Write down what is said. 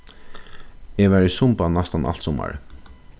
eg var í sumba næstan alt summarið